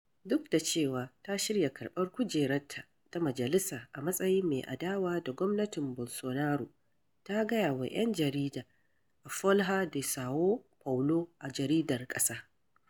Duk da cewa ta shirya karɓar kujerarta ta majalisa a matsayin mai adawa da gwamanatin Bolsonaro, ta gayawa 'yan jarida a Folha de Sao Paulo, a jaridar ƙasa: